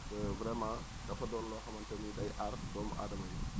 parce vraiment dafa doon loo xamante ni day aar doomu aadama yi